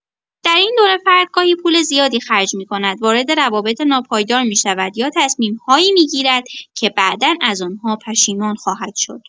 در این دوره، فرد گاهی پول زیادی خرج می‌کند، وارد روابط ناپایدار می‌شود یا تصمیم‌هایی می‌گیرد که بعدا از آن‌ها پشیمان خواهد شد.